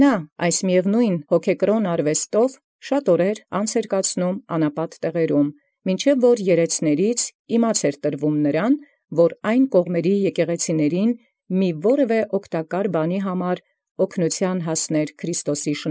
Եւ նովին հոգեկրաւն արուեստիւն հանէր աւուրս բազումս յանապատ տեղիս, մինչև ազդ լինէր յերիցանց՝ իրաց ինչ աւգտակարաց եկեղեցեաց կողմանցն այնոցիկ՝ հասանել յաւգնականութիւն շնորհաւքն Քրիստոսի։